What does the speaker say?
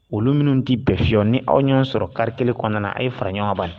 Olu minnu tɛ bɛn fiyewu, n'a ye ɲɔgɔn sɔrɔ car kelen kɔnɔna, a ye fara ɲɔgɔn ka bani